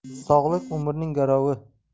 sog'lik umrning garovi